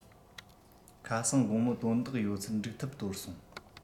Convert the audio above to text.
ཁ སང དགོང མོ དོན དག ཡོད ཚད འགྲིག ཐབས དོར སོང